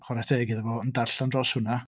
Chwarae teg iddo fo, yn darllan dros hwnna.